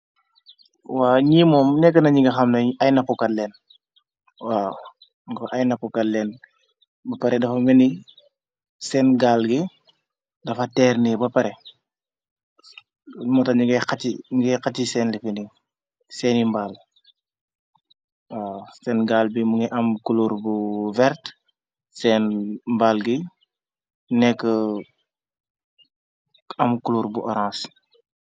Waa ñi moom nekka na ñi nga xamnañu ay napukat leennga ay nappukat leen ba pare dafa mëni seen gaal gi dafa teerne ba pare mota ñinay xaci sef seeni mbal seen gaal bi mu ngi am kulóur bu verte seen mbaal gi nekk am kuluor bu orance.